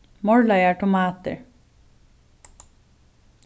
morlaðar tomatir